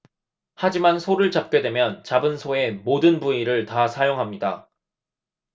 하지만 소를 잡게 되면 잡은 소의 모든 부위를 다 사용합니다